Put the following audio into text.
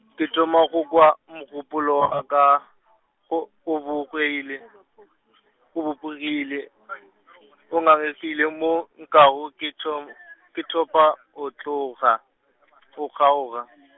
ko thoma go kwa mogopolo wa ka, o o bopegile, o bapogile, o ngangegile mo nkwago ke thom-, ke thopa o tloga , o kgaoga.